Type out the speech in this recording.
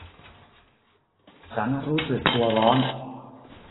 ฉันรู้สึกตัวร้อน